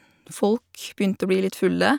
Folk begynte å bli litt fulle.